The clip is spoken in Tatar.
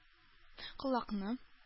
Колакны